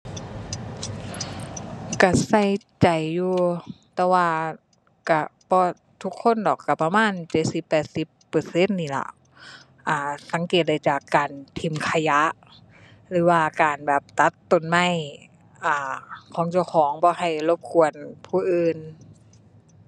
ก็ใส่ใจอยู่ แต่ว่าก็บ่ทุกคนดอก ก็ประมาณเจ็ดสิบแปดสิบเปอร์เซ็นต์นี่ล่ะ อ่า สังเกตได้จากการถิ้มขยะ หรือว่าการแบบตัดต้นไม้ อ่า ของเจ้าของบ่ให้รบกวนผู้อื่น